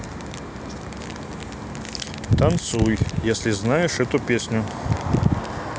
танцуй если знаешь эту песню